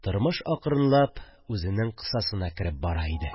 Тормыш акрынлап үзенең кысасына кереп бара иде